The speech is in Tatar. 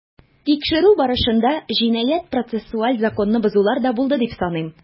Тикшерү барышында җинаять-процессуаль законны бозулар да булды дип саныйм.